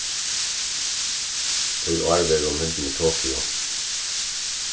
í ár verður hon hildin í tokyo